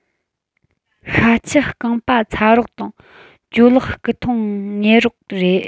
ཤ ཁྱི རྐང པ ཚ རོགས དང ཇོ ལགས སྐུ ཐང མཉེལ རོགས རེད